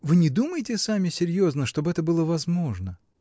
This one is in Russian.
— Вы не думаете сами серьезно, чтоб это было возможно!